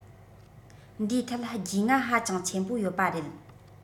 འདིའི ཐད རྒྱུས མངའ ཧ ཅང ཆེན པོ ཡོད པ རེད